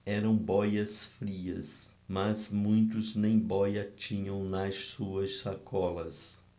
eram bóias-frias mas muitos nem bóia tinham nas suas sacolas